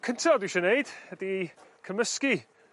cynta fi isio neud ydi cymysgu